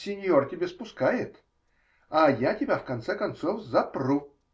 синьор тебе спускает, а я тебя, в конце концов, запру.